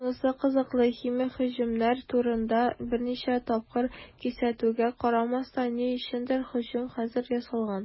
Шунысы кызыклы, химик һөҗүмнәр турында берничә тапкыр кисәтүгә карамастан, ни өчендер һөҗүм хәзер ясалган.